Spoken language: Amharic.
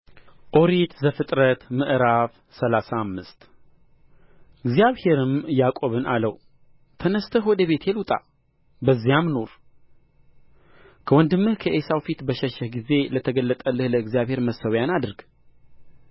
ኦሪት ዘፍጥረት ምዕራፍ ሰላሳ አምስት እግዚአብሔርም ያዕቆብን አለው ተነሥተህ ወደ ቤቴል ውጣ በዚያም ኑር ከወንድምህ ከዔሳው ፊት በሸሸህ ጊዜ ለተገለጠልህ ለእግዚአብሔርም መሠውያውን አድርግ